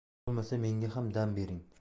bo'lmasa menga ham dam bering